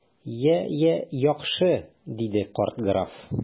Я, я, яхшы! - диде карт граф.